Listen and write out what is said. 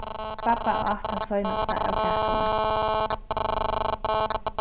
babba át tað seinasta av kakuni